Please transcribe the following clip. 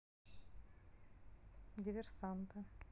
диверсанты